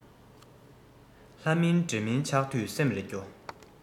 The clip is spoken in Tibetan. ལྷ མིན འདྲེ མིན ཆགས དུས སེམས རེ སྐྱོ